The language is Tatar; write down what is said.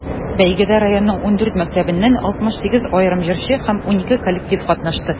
Бәйгедә районның 14 мәктәбеннән 68 аерым җырчы һәм 12 коллектив катнашты.